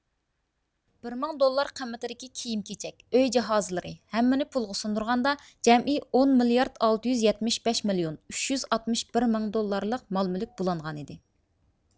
بىر مىڭ دوللار قىممىتىدىكى كىيىم كېچەك ئۆي جاھازلىرى ھەممىنى پۇلغا سۇندۇرغاندا جەمئىي ئون مىليارد ئالتە يۈز يەتمىش بەش مىليون ئۈچ يۈز ئاتمىش بىر مىڭ دوللارلىق مال مۈلۈك بۇلانغانىدى